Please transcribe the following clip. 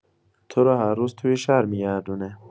تو رو هر روز توی شهر می‌گردونه.